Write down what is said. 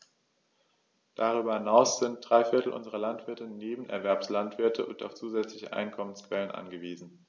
Darüber hinaus sind drei Viertel unserer Landwirte Nebenerwerbslandwirte und auf zusätzliche Einkommensquellen angewiesen.